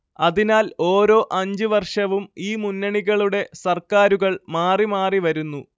അതിനാൽ ഓരോ അഞ്ച് വർഷവും ഈ മുന്നണികളുടെ സർക്കാരുകൾ മാറി മാറി വരുന്നു